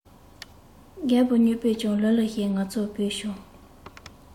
རྒད པོ གཉིས པོས ཀྱང ལི ལི ཞེས ང ཚོར བོས བྱུང